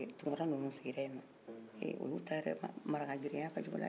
ɛɛ olu ta yɛrɛ maraka geren ya ka jugu na nin bɛɛ lajɛlen ta ye ye kayi kɔnɔla la